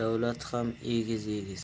davlat ham egiz egiz